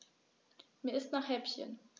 Mir ist nach Häppchen.